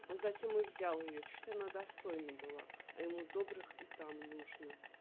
Он затем и взял ее, чуть она достойна была, а ему добрых и там нужно.